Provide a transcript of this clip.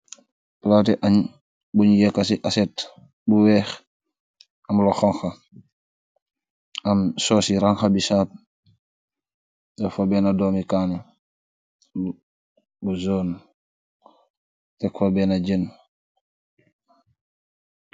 Plate ann bung yekka ci aset bu weex amlo xonka am soo ci ranka bisab dafa benn doomicaani bu zoon tek fa benn jen.